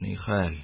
Нихәл?